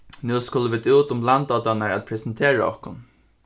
nú skulu vit út um landoddarnar at presentera okkum